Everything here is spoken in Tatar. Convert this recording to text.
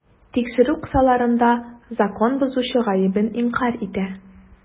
Тикшерү кысаларында закон бозучы гаебен инкарь итә.